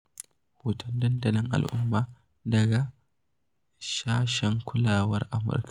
Hoton dandalin al'umma daga sashen kulawar Amurka.